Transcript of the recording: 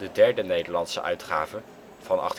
derde Nederlandse uitgave van